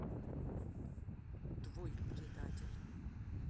твой предатель